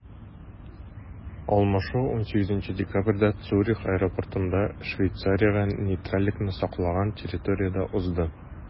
Алмашу 18 декабрьдә Цюрих аэропортында, Швейцариягә нейтральлекне саклаган территориядә узды.